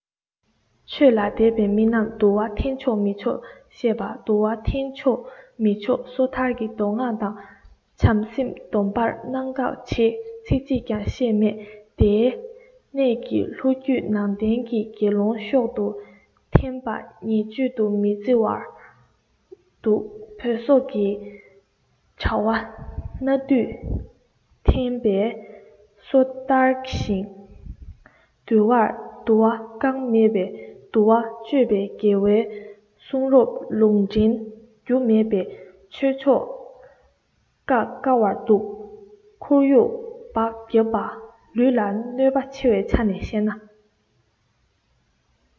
ཆོས ལ དད པའི མི རྣམས དུ བ འཐེན ཆོག མི ཆོག བཤད པ དུ བ འཐེན ཆོག མི ཆོག སོ ཐར གྱི མདོ སྔགས དང བྱང སེམས སྡོམ པར གནང བཀག བྱེད ཚིག གཅིག ཀྱང བཤད མེད དེའི གནད ཀྱིས ལྷོ རྒྱུད ནང བསྟན གྱི དགེ སློང ཤོག དུ འཐེན པ ཉེས སྤྱོད དུ མི བརྩི བར འདུག བོད སོག གི གྲྭ བ སྣ དུད འཐེན པའི སྲོལ དར ཞིང འདུལ བར དུ བ བཀག མེད པས དུ བ གཅོད པའི རྒྱལ བའི གསུང རབ ལུང འདྲེན རྒྱུ མེད པས ཆོས ཕྱོགས བཀག དཀའ བར འདུག འཁོར ཡུག སྦགས རྒྱབ པ ལུས ལ གནོད པའི ཆ ནས བཤད ན